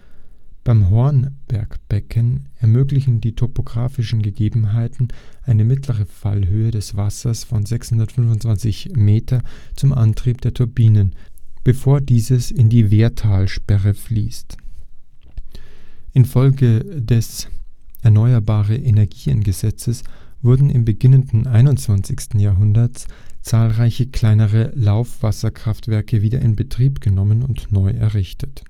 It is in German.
Beim Hornbergbecken ermöglichen die topographischen Gegebenheiten eine mittlere Fallhöhe des Wassers von 625 m zum Antrieb der Turbinen, bevor dieses in die Wehratalsperre fließt. Infolge des Erneuerbare-Energien-Gesetzes wurden im beginnenden 21. Jahrhundert zahlreiche kleinere Laufwasserkraftwerke wieder in Betrieb genommen oder neu errichtet